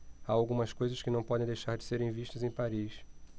há algumas coisas que não podem deixar de serem vistas em paris